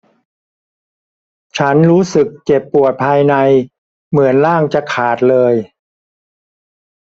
ฉันรู้สึกเจ็บปวดภายในเหมือนร่างจะขาดเลย